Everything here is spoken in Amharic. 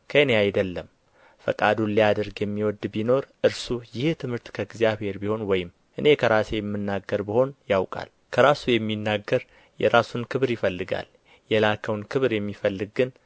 ከእኔ አይደለም ፈቃዱን ሊያደርግ የሚወድ ቢኖር እርሱ ይህ ትምህርት ከእግዚአብሔር ቢሆን ወይም እኔ ከራሴ የምናገር ብሆን ያውቃል ከራሱ የሚናገር የራሱን ክብር ይፈልጋል የላከውን ክብር የሚፈልግ ግን